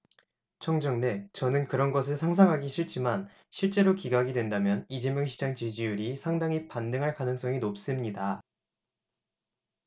정청래 저는 그런 것은 상상하기 싫지만 실제로 기각이 된다면 이재명 시장 지지율이 상당히 반등할 가능성이 높습니다